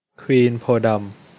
ควีนโพธิ์ดำ